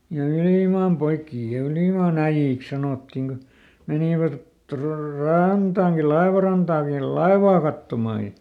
ja ylimaan poikia ja ylimaan äijiksi sanottiin kun menivät - rantaankin laivarantaankin laivaa katsomaan ja